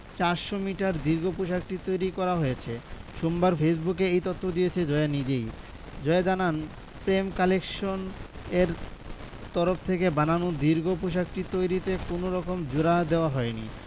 ৪০০ metre দীর্ঘ পোশাকটি তৈরি করা হয়েছে সোমবার ফেসবুকে এ তথ্য দিয়েছে জয়া নিজেই জয়া জানান প্রেম কালেকশন এর তরফ থেকে বানানো দীর্ঘ পোশাকটি তৈরিতে কোনো রকম জোড়া দেয়া হয়নি